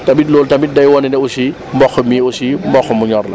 tamit loolu tamit day wane ne aussi mboq mi aussi mboq mu ñor la